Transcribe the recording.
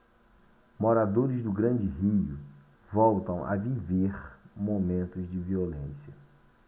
moradores do grande rio voltam a viver momentos de violência